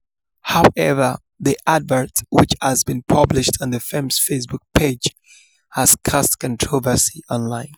However, the advert, which has been published on the firm's Facebook page, has caused controversy online.